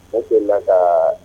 N solila la